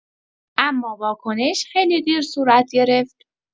اما واکنش خیلی دیر صورت گرفت.